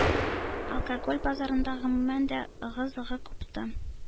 Алкоголь базарында, гомумән дә, ыгы-зыгы купты.